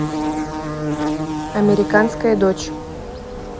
американская дочь